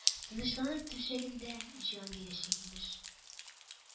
Тынычлап түшәгендә җан бирәчәк, имеш